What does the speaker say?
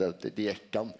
det det gjekk an.